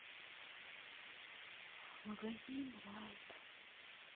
магазин райт